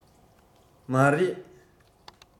མ རེད